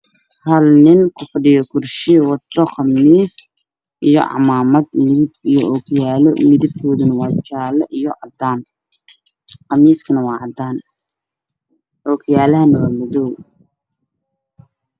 Waa hal nin oo kufadhiyo kursi waxuu wataa qamiis iyo cimaamad, ookiyaalo midabkoodu waa gaduud iyo jaale ah , qamiisku waa cadaan, ookiyaaluhu waa madow.